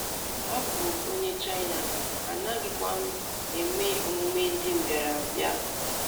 2. Abụ m onye China, anaghịkwa m eme emume ndị mbịarambịa.